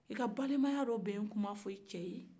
i ka balimaya labɛn kuma fɔ e cɛ ye